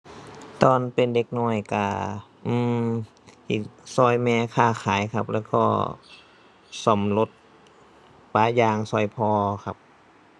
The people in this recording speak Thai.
ตอนเป็นเด็กน้อยก็ อือ ก็แม่ค้าขายครับ แล้วก็ซ่อมรถ ปะยางก็พ่อครับ